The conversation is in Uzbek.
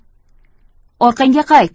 orqangga qayt